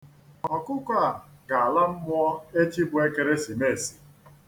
Ọkụkọ a ga-ala mmụọ echi bụ Ekeresimesi.